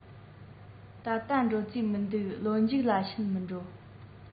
ད ལྟ འགྲོ རྩིས མི འདུག ལོ མཇུག ལ ཕྱིན མིན འགྲོ